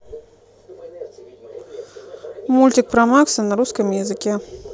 мультик про макса на русском языке